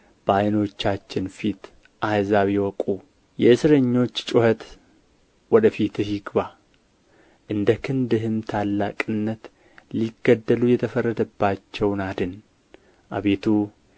በዓይኖቻችን ፊት አሕዛብ ያወቁ የእስረኞች ጩኸት ወደ ፊትህ ይግባ እንደ ክንድህም ታላቅነት ሊገደሉ የተፈረደባቸውን አድን አቤቱ